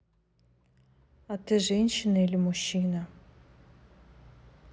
а ты женщина или мужчина